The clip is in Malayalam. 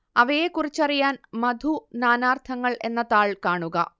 അവയെക്കുറിച്ചറിയാൻ മധു നാനാർത്ഥങ്ങൾ എന്ന താൾ കാണുക